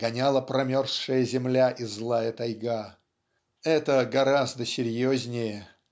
гоняла промерзшая земля и злая тайга. Это гораздо серьезнее.